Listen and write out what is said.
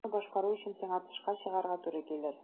Моны башкару өчен сиңа тышка чыгарга туры килер.